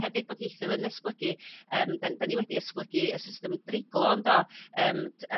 hefyd bod ieithiodd yn esblygu yym 'da ni wedi esblygu y system dreiglo yn do?